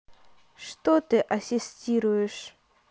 что ты ассистируешь